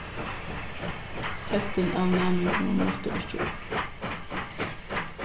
helvtin av næmingunum møttu ikki upp